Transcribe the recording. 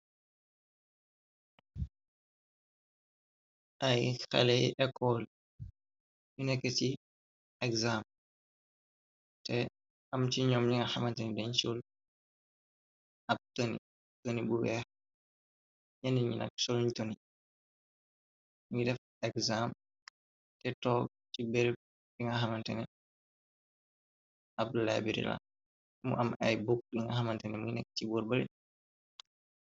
Ay xalé yu ecol ñu nekk si eksaam te am si ñom ñu nga xamantene dañ sol ab tëni, tëni bu weex, ñeenen ñi nak soluñu tëni, ñu ngi def exam, te toog ci berëb, li nga xamantene ab laaybiri la, limu am ay buuk, li nga xamantene mu nekkë nekk si bóor bale.